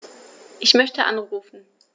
Ich möchte anrufen.